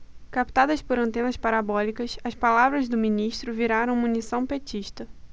captadas por antenas parabólicas as palavras do ministro viraram munição petista